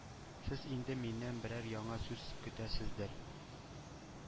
Сез инде миннән берәр яңа сүз көтәсездер.